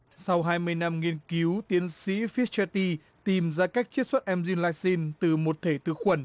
sau hai mươi năm nghiên cứu tiến sĩ phít cha ty tìm ra cách chiết xuất en dim lai gim từ một thể thực khuẩn